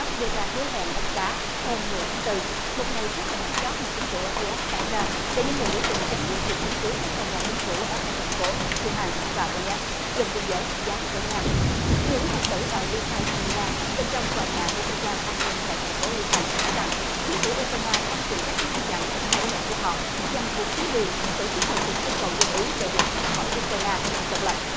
đưa ra hứa hẹn ân xá hôm mười tháng tư một ngày trước thời hạn chót mà chính phủ ở ki át đặt ra để những người biểu tình chấm dứt việc chiếm cứ các tòa nhà chính phủ ở hai thành phố lu han và đôn nhét gần biên giới giáp với nga những phần tử đòi ly khai thân nga bên trong tòa nhà của cơ quan an ninh tại thành phố lu han nói rằng chính phủ u cờ roai na đang tìm cách ngăn chặn các nỗ lực của họ nhằm buộc chính quyền tổ chức một cuộc trưng cầu dân ý về việc tách khỏi u cờ roai na độc lập